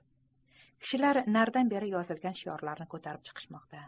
kishilar naridan beri yozilgan shiorlarni ko'tarib ketishmoqda